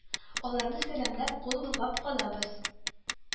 Аларны сәламләп, кул болгап калабыз